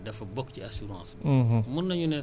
waaw dëgg la loolu tamit jumtukaat yépp